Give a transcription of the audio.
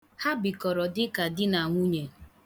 Ha bịkọrọ dịka di na nwunye.